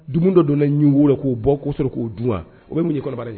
Dugu dɔ donna' wolo k'o bɔ'so k'o dun o ye mun ye kɔlɔbara ye